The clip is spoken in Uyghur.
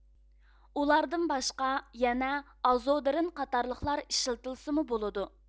ئۇلاردىن باشقا يەنە ئازودرىن قاتارلىقلار ئىشلىتىلسىمۇ بولىدۇ